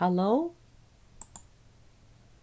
halló